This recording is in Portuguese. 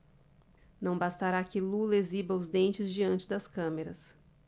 não bastará que lula exiba os dentes diante das câmeras